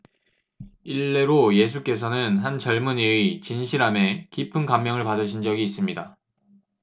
일례로 예수께서는 한 젊은이의 진실함에 깊은 감명을 받으신 적이 있습니다